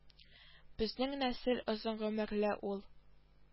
Безнең нәсел озын гомерле ул